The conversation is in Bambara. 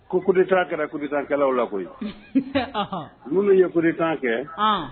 Ko coup d'Etat kɛra coup d'Etat kɛlaw la koyi minnu ye coup d'Etat kɛ